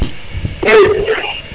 *